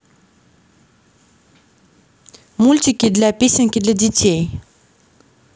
мультики для песенки для детей